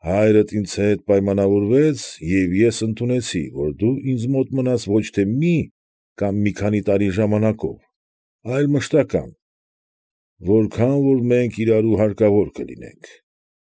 Հայրդ ինձ հետ պայմանավորվեց և ես ընդունեցի, որ դու ինձ մոտ մնաս ոչ թե մի կամ մի քանի տարի ժամանակով, այլ մշտական, որքան որ մենք իրարու, հարկավոր կլինենք։